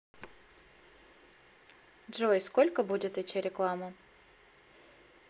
джой сколько будет идти реклама